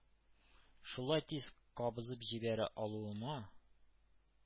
Шулай тиз кабызып җибәрә алуыма,